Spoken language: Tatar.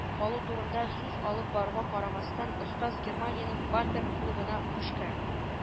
Калу турында сүз алып баруга карамастан, остаз германиянең “бамберг” клубына күчкән